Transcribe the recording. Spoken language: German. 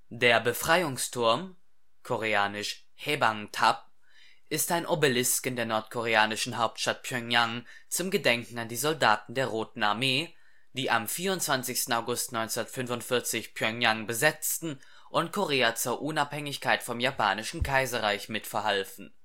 Der Befreiungsturm (kor. 해방탑, 解放塔, haebangt'ap) ist ein Obelisk in der nordkoreanischen Hauptstadt Pjöngjang zum Gedenken an die Soldaten der Roten Armee, die am 24. August 1945 Pjöngjang besetzten und Korea zur Unabhängigkeit vom Japanischen Kaiserreich mitverhalfen